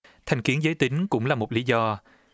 thành kiến giới tính cũng là một lý do